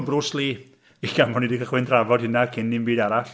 Bruce Lee, gan fo' ni 'di cychwyn trafod hynna cyn dim byd arall.